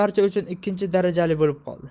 uchun ikkinchi darajali bo'lib qoldi